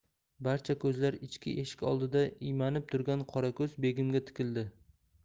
barcha ko'zlar ichki eshik oldida iymanib turgan qorako'z begimga tikildi